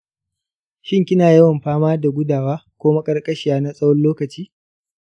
shin kina yawan fama da gudawa ko maƙarƙashiya na tsawon lokaci?